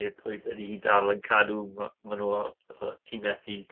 Neu yd- oedd ydy hi dal yn cadw ma' maen nhw o, yy, ti methu...